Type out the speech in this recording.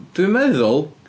Dwi'n meddwl.